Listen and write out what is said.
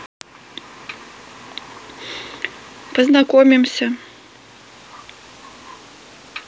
познакомимся